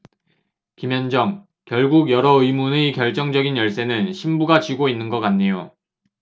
김현정 결국 여러 의문의 결정적인 열쇠는 신부가 쥐고 있는 거 같네요